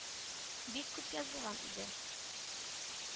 Бик күп язылган инде.